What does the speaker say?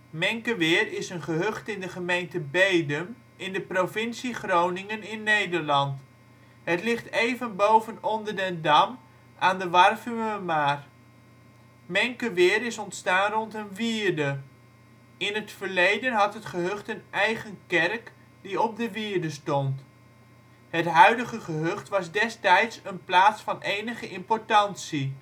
Menkeweer is een gehucht in de gemeente Bedum in de provincie Groningen in Nederland. Het ligt even boven Onderdendam aan de Warffumermaar. Menkeweer is ontstaan rond een wierde. In het verleden had het gehucht een eigen kerk die op de wierde stond. Het huidige gehucht was destijds een plaats van enige importantie